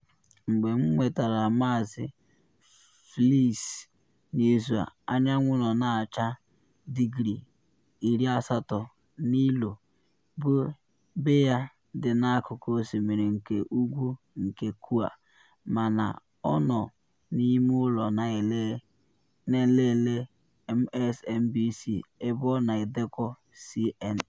Mgbe m nwetara Maazị Fleiss n’izu a, anyanwụ nọ na acha digri 80 na ilo be ya dị n’akụkụ osimiri nke ugwu nke Kauai, mana ọ n’ime ụlọ na elele MSNBC ebe ọ na edekọ CNN.